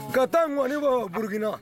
Ka taa ŋɔni' burukina